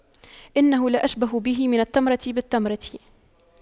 إنه لأشبه به من التمرة بالتمرة